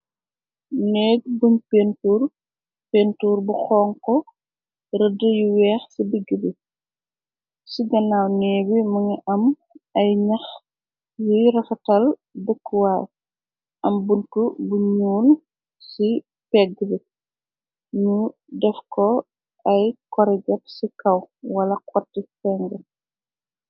Néeg buñ pentuur pentur bu xon ko rëdde yu weex ci bigg bi. Ci ganaaw neegi mëngi am ay ñax yiy rafatal bëkkuwaay am bunt bu ñuul ci pegg bi nu def ko ay koriget ci kaw wala xoti feng.